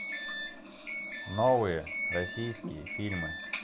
новые российские фильмы